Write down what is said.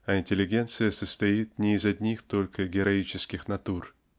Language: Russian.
а интеллигенция состоит не из одних только героических натур.